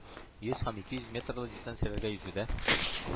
Йөз һәм ике йөз метрлы дистанцияләргә йөзүдә